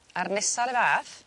A'r nesa 'ru' fath